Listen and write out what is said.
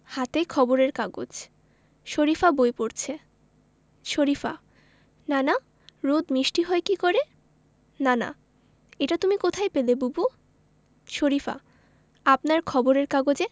হাতে খবরের কাগজ শরিফা বই পড়ছে শরিফা নানা রোদ মিষ্টি হয় কী করে নানা এটা তুমি কোথায় পেলে বুবু শরিফা আপনার খবরের কাগজে